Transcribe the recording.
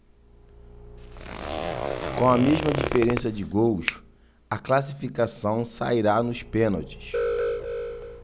com a mesma diferença de gols a classificação sairá nos pênaltis